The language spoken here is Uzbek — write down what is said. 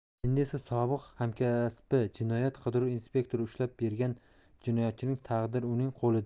endi esa sobiq hamkasbi jinoyat qidiruv inspektori ushlab bergan jinoyatchining taqdiri uning qo'lida